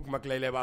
U tila i la i ba